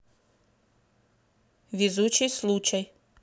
везучий случай